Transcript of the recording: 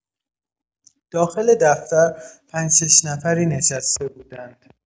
داخل دفتر پنج - شش‌نفری نشسته بودند.